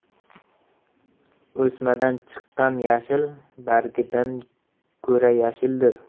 o'smadan chiqqan yashil bargidan ko'ra yashildir